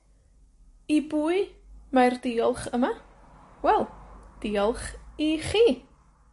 I bwy mae'r diolch yma? Wel, diolch i chi.